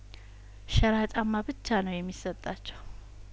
ሸራ ጫማ ብቻ ነው የሚሰጣቸው